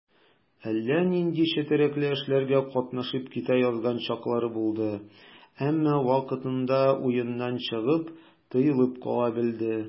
Әллә нинди четрекле эшләргә катнашып китә язган чаклары булды, әмма вакытында уеннан чыгып, тыелып кала белде.